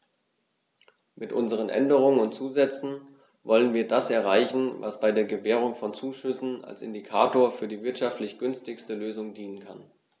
Mit unseren Änderungen und Zusätzen wollen wir das erreichen, was bei der Gewährung von Zuschüssen als Indikator für die wirtschaftlich günstigste Lösung dienen kann.